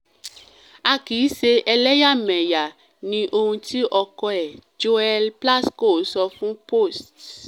A kì í ṣe ẹlẹ́yàmẹyà,” ni ohun ti ọkọ ẹ̀, Joel Plasco sọ fún Post.